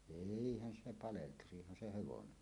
eihän se paleltuisihan se hevonen